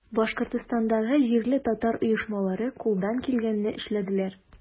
Башкортстандагы җирле татар оешмалары кулдан килгәнне эшләделәр.